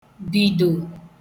bìdò